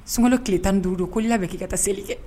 Sunkalo tile tan ni duuru don, k’o i labɛn k’i ka taa seli kɛ